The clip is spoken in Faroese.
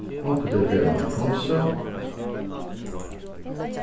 onkuntíð fer mann í fongsul